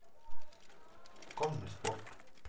конный спорт